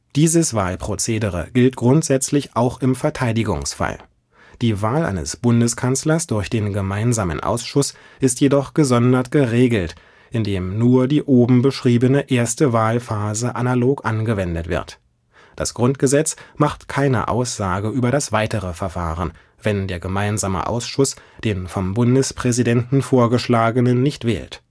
Dieses Wahlprozedere gilt grundsätzlich auch im Verteidigungsfall. Die Wahl eines Bundeskanzlers durch den Gemeinsamen Ausschuss ist jedoch gesondert geregelt, indem nur die oben beschriebene erste Wahlphase analog angewendet wird. Das Grundgesetz macht keine Aussage über das weitere Verfahren, wenn der Gemeinsame Ausschuss den vom Bundespräsidenten Vorgeschlagenen nicht wählt